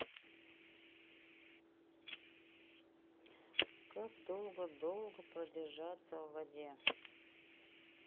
как долго долго продержаться в воде